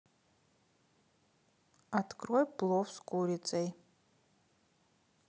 открой плов с курицей